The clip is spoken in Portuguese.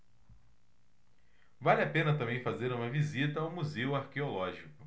vale a pena também fazer uma visita ao museu arqueológico